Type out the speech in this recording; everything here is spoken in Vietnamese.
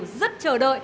rất chờ đợi